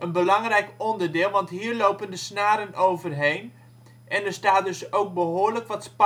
belangrijk onderdeel want hier lopen de snaren overheen, en er staat dus ook behoorlijk wat